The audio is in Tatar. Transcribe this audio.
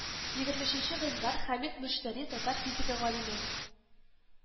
Егерме өченче гыйнвар хәмид мөштәри, татар физика галиме